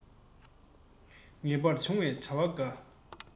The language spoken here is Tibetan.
ངེས པར འབྱུང བའི བྱ བ འགའ